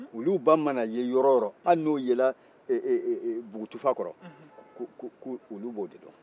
olu ba mana ye yɔrɔ o yɔrɔ hali n'o yera bugutufa kɔrɔ k'olu b'o de dɔn